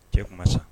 Cɛ kuma sa